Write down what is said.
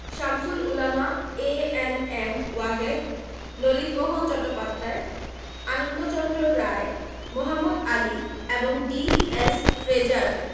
Shamsul Ulama A N M Wahed Lalitmohan Chattopadhyay Anandachandra Roy Mohammad Ali এবং D S. Fraser